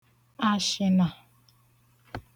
àshị̀nà